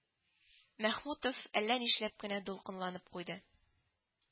—мәхмүтов әллә нишләп кенә дулкынланып куйды